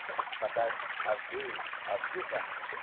faqat avdiy avdyuxa